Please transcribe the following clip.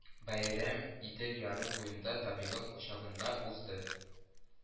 Бәйрәм Идел яры буенда, табигать кочагында узды